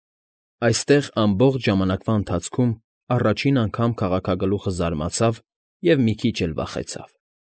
Այստեղ ամբողջ ժամանակվա ընթացքում առաջին անգամ քաղաքագլուխը զարմացավ և մի քիչ էլ վախեցավ։